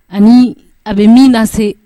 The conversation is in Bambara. Ani a bɛ min na se